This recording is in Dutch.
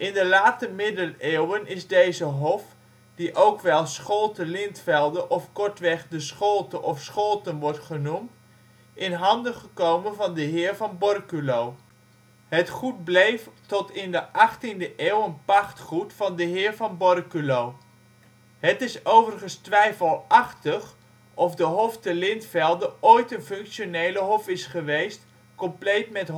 de Late Middeleeuwen is deze hof, die ook wel Scholte Lintvelde of kortweg de Scholte of Scholten wordt genoemd, in handen gekomen van de heer van Borculo. Het goed bleef tot in de 18e eeuw een pachtgoed van de heer van Borculo. Het is overigens twijfelachtig of de hof te Lintvelde ooit een functionele hof is geweest, compleet met hofrechtspraak